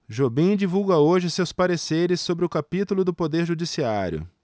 jobim divulga hoje seus pareceres sobre o capítulo do poder judiciário